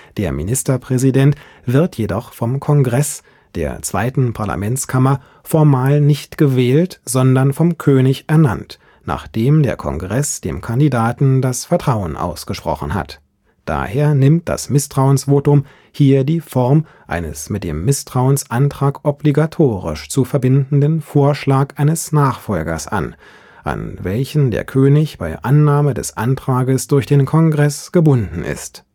Der Ministerpräsident wird jedoch vom Kongress, der zweiten Parlamentskammer, formal nicht gewählt, sondern vom König ernannt, nachdem der Kongress dem Kandidaten das Vertrauen ausgesprochen hat. Daher nimmt das Misstrauensvotum hier die Form eines mit dem Misstrauensantrag obligatorisch zu verbindenden Vorschlag eines Nachfolgers an, an welchen der König bei Annahme des Antrags durch den Kongress gebunden ist